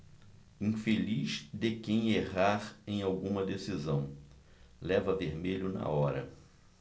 infeliz de quem errar em alguma decisão leva vermelho na hora